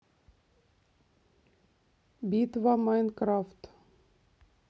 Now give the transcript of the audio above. битва майнкрафт